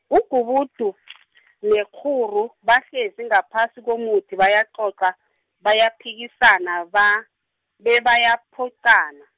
ugubudu , nekghuru bahlezi ngaphasi komuthi bayacoca, bayaphikisana ba- bebayaphoqana.